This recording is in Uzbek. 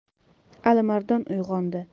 alimardon uyg'ondi